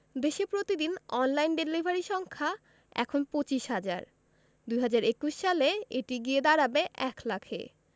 দেশে প্রতিদিন online delivery সংখ্যা এখন ২৫ হাজার ২০২১ সালে এটি গিয়ে দাঁড়াবে ১ লাখে